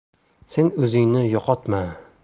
sen o'zingni yo'qotma